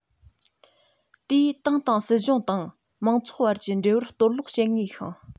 དེས ཏང དང སྲིད གཞུང དང མང ཚོགས བར གྱི འབྲེལ བར གཏོར བརླག བྱེད ངེས ཤིང